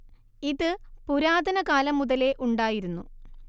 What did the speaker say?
ഇത് പുരാതന കാലം മുതലേ ഉണ്ടായിരുന്നു